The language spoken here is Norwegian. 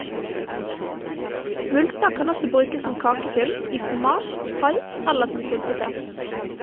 Multer kan også brukes som kakefyll, i fromasj, pai eller som syltetøy.